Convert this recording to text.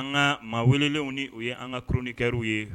An ŋaa maa welelenw ni o ye an ŋa chroniqueur w ye